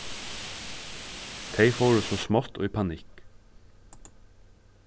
tey fóru so smátt í panikk